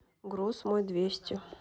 груз мой двести